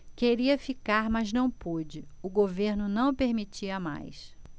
queria ficar mas não pude o governo não permitia mais